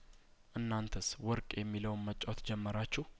እናንተስ ወርቅ የሚለውን መጫወት ጀመራችሁ